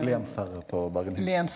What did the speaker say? lensherre på Bergenhus.